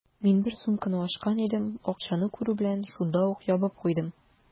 Мин бер сумканы ачкан идем, акчаны күрү белән, шунда ук ябып куйдым.